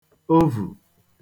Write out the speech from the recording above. ovù